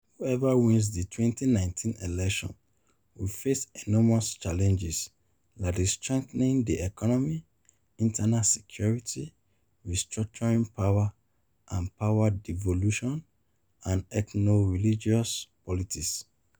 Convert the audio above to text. Whoever wins the 2019 elections will face enormous challenges like the strengthening the economy, internal security, restructuring power and power devolution, and ethnoreligious politics.